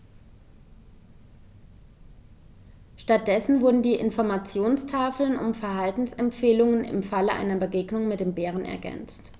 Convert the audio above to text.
Stattdessen wurden die Informationstafeln um Verhaltensempfehlungen im Falle einer Begegnung mit dem Bären ergänzt.